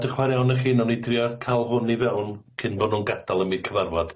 A dioch yn fawr iawn i chi newn ni drio ca'l hwn i fewn cyn bo' nw'n gadal ym i cyfarfod.